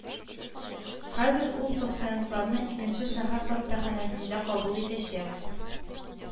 Хәзер ул пациентларны икенче шәһәр хастаханәсендә кабул итәчәк